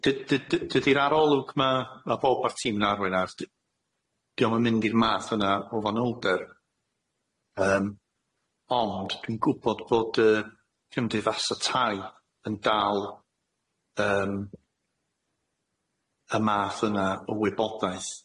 Dy- dy- dy- dydi'r arolwg ma' ma' powb ar tîm yn arwain ars dy- dydio'm yn mynd i'r math yna o fanylder yym ond dwi'n gwbod bod yy cymdeifasa tai yn dal yym y math yna o wybodaeth.